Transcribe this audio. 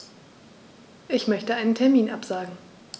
Ich möchte einen Termin absagen.